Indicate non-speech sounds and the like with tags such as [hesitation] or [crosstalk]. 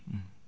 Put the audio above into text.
[hesitation] [hesitation]